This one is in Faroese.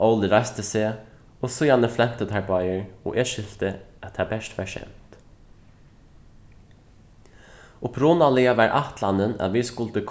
óli reisti seg og síðani flentu teir báðir og eg skilti at tað bert var skemt upprunaliga var ætlanin at vit skuldu